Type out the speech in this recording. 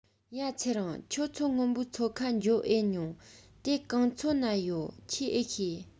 ཡ ཚེ རིང ཁྱོད མཚོ སྔོན པོའི མཚོ ཁ འགྱོ ཨེ མྱོང དེ གང ཚོད ན ཡོད ཁྱོས ཨེ ཤེས